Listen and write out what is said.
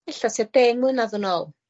ella tua deng mlynadd yn ôl